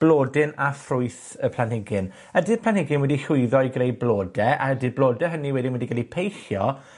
blodyn a ffrwyth y planhigyn. Ydi'r planhigyn wedi llwyddo i greu blode, a ydi'r blode hynny wedi mynd i ga'l 'u peillio,